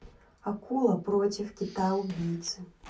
акула против кита убийцы